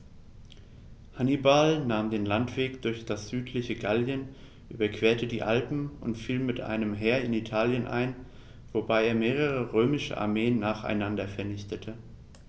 Hannibal nahm den Landweg durch das südliche Gallien, überquerte die Alpen und fiel mit einem Heer in Italien ein, wobei er mehrere römische Armeen nacheinander vernichtete.